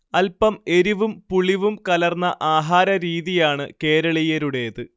അല്പം എരിവും പുളിവും കലർന്ന ആഹാരരീതിയാണ് കേരളീയരുടേത്